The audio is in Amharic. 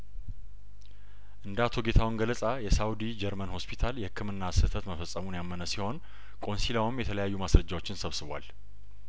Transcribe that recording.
እንደ አቶ ጌታሁን ገለጻ የሳኡዲ ጀርመን ሆስፒታል የህክምና ስህተት መፈጸሙን ያመነ ሲሆን ቆንሲላ ውም የተለያዩ ማስረጃዎችን ሰብ ስቧል